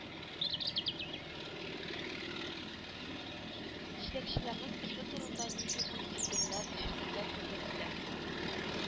Җитәкчеләрнең эше турында нинди уй-фикерләр ишетергә туры килә;